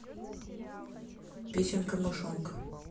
песенка мышонка